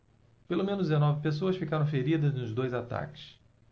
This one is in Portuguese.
pelo menos dezenove pessoas ficaram feridas nos dois ataques